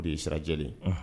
O de ye sirajɛlen ye.